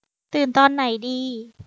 ตื่นตอนไหนดี